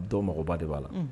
Dɔ magoba de b'a la, unhun.